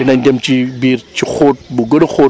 dinañ dem ci biir ci xóot bu gën a xóot